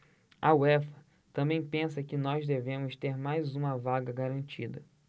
a uefa também pensa que nós devemos ter mais uma vaga garantida